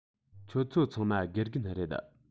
ཁྱོད ཚོ ཚང མ དགེ རྒན རེད